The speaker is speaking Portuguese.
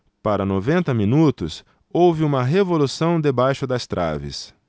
para noventa minutos houve uma revolução debaixo das traves